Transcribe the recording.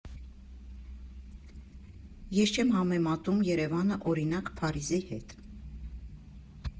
Ես չեմ համեմատւմ Երևանը, օրինակ, Փարիզի հետ.